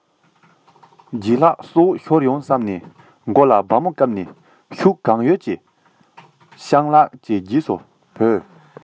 ལྗད ལགས སྲོག ཤོར ཡོང བསམ ནས མགོ ལ སྦར མོ བཀབ ནས ཤུགས གང ཡོད ཀྱིས སྤྱང ལགས ཀྱི རྗེས སུ བྲོས ཕྱིན མཐར རང གི གྲོང ཚོར འབྱོར ཙམ བྱུང བ རེད